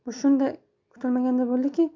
bu shunday kutilmaganda bo'ldiki